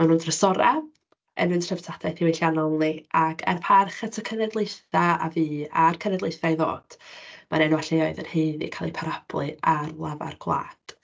Maen nhw'n drysorau, yn ein treftadaeth ddiwylliannol ni, ac er parch at y cenhedlaethau a fu a'r cenhedlaethau i ddod, mae'r enwau lleoedd yn haeddu cael eu parablu ar lafar gwlad.